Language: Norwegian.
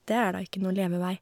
Det er da ikke noe levevei.